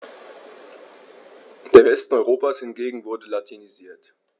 Der Westen Europas hingegen wurde latinisiert.